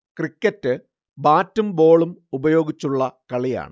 cricket ബാറ്റും ബോളും ഉപയോഗിച്ചുള്ള കളിയാണ്